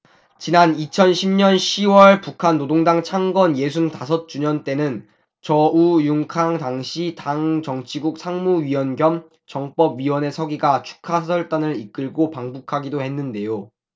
지난 이천 십 년 시 월 북한 노동당 창건 예순 다섯 주년 때는 저우융캉 당시 당 정치국 상무위원 겸 정법위원회 서기가 축하사절단을 이끌고 방북하기도 했는데요